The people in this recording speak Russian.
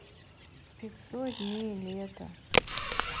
пятьсот дней лета